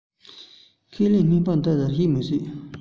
ཁས ལེན སྨན པས འདི ལྟར བཤད མི སྲིད